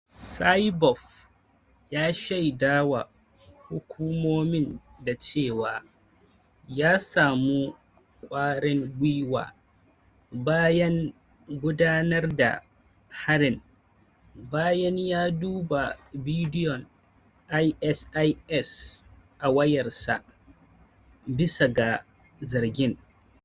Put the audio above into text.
Saipov ya shaida wa hukumomin da cewa ya samu kwarin guiwa bayan gudanar da harin bayan ya duba bidiyon ISIS a wayarsa, bisa ga zargin.